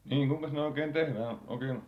niin kuinkas ne oikein tehdään oikein